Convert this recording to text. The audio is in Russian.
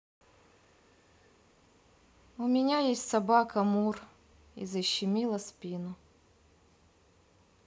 у меня есть собака мур и защемило спину